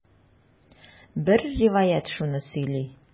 Бер риваять шуны сөйли.